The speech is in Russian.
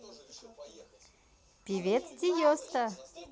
певец tiësto